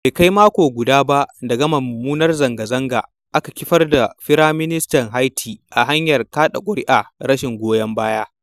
Bai kai mako guda ba da gama mummunar zangazanga aka kifar da Firaministan Haiti ta hanyar kaɗa ƙuri'ar rashin goyon baya.